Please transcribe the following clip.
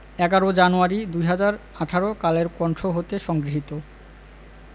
১১ জানুয়ারি ২০১৮ কালের কন্ঠ হতে সংগৃহীত